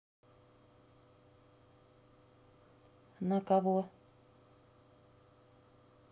на кого